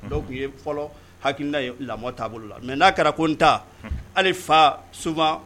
Dɔw tun ye fɔlɔ haki ye lamɔ taabolo bolo la mɛ n'a kɛra ko n ta ali fa so